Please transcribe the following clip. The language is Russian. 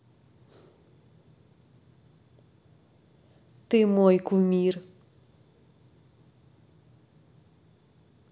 ты мой кумир